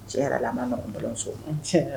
Tiyɛ yɛrɛ la a ma nɔgɔn n balimamuso n tiɲɛ yɛr